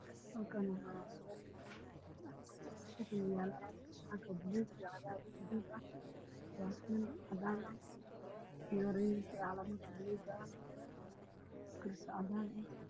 Waa qol waxaa yaal kuraas guduudan iyo kuraas laga sameeyay harag iyo miisaas loo sameeyey harag xooga waa cagaar